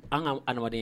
An ka hadamaden